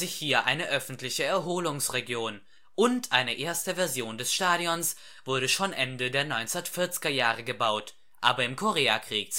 hier eine öffentliche Erholungsregion, und eine erste Version des Stadions wurde schon Ende der 1940er Jahre gebaut, aber im Koreakrieg zerstört